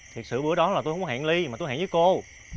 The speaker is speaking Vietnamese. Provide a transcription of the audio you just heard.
thiệt sự bữa đó là tui hổng có hẹn ly mà tui hẹn với cô